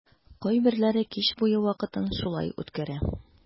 Кайберләре кич буе вакытын шулай үткәрә.